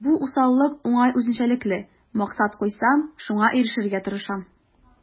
Бу усаллык уңай үзенчәлекле: максат куйсам, шуңа ирешергә тырышам.